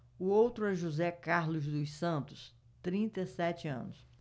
o outro é josé carlos dos santos trinta e sete anos